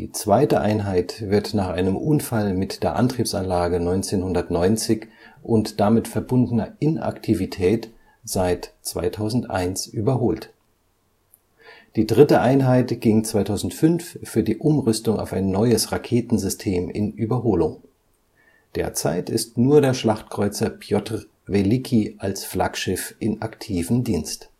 zweite Einheit wird nach einem Unfall mit der Antriebsanlage 1990 und damit verbundener Inaktivität seit 2001 überholt (der genaue Zustand ist unbekannt). Die dritte Einheit ging 2005 für die Umrüstung auf ein neues Raketensystem in Überholung. Derzeit ist nur der Schlachtkreuzer Pjotr Weliki als Flaggschiff in aktivem Dienst